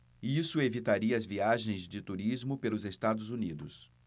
isso evitaria as viagens de turismo pelos estados unidos